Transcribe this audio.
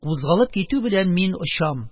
Кузгалып китү белән мин очам,